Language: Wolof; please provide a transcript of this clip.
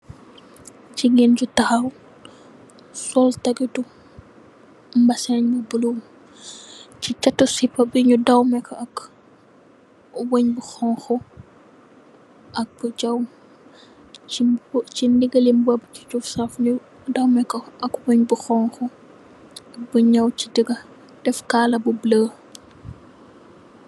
Jigeen ju taxaw, sol dagitu mbaseen bu bula, ci catu sipa bi nyu dewmeko ak waj bu xonxu, ak bu jaw, ci digge li nyu dawmeko, ak waj bu xonxu, bu nyaw si digge, def kaala bu bula.